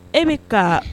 E bɛ ka